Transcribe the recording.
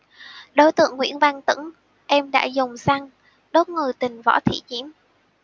đối tượng nguyễn văn tửng em đã dùng xăng đốt người tình võ thị diễm